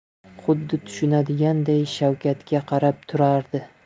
xuddi tushunadiganday shavkatga qarab turardi